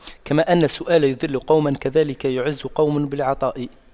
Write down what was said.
كما أن السؤال يُذِلُّ قوما كذاك يعز قوم بالعطاء